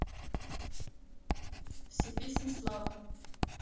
все песни слава